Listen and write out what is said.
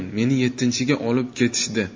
meni yettinchiga olib ketishdi